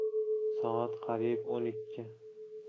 soat qariyb o'n ikki